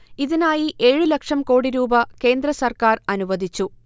ഇതിനായി ഏഴ് ലക്ഷം കോടി രൂപ കേന്ദ്ര സർക്കാർ അനുവദിച്ചു